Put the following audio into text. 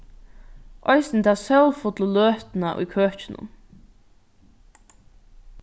eisini ta sólfullu løtuna í køkinum